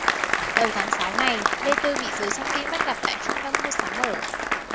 đầu tháng sáu này lê tư bị giới săn tin bắt gặp tại trung tâm mua sắm ở